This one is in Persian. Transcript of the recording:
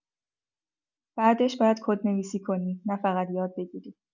بعدش باید کدنویسی کنی، نه‌فقط یاد بگیری.